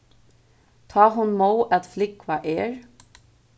tá hon móð at flúgva er